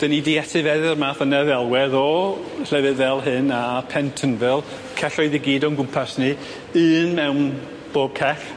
'Dan ni 'di etifeddu'r math yna o ddelwedd o llefydd fel hyn a Pentonville celloedd i gyd o'n gwmpas ni un mewn bob cell